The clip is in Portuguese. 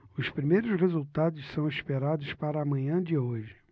os primeiros resultados são esperados para a manhã de hoje